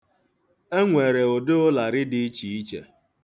E nwere ụdị ụlarị dị iche iche.